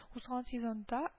Узган сезонда